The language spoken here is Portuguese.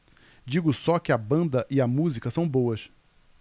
digo só que a banda e a música são boas